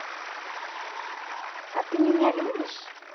ты меня любишь